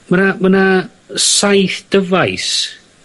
Ma' 'na ma' 'na saith dyfais